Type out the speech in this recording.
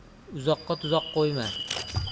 uzoqqa tuzoq qo'yma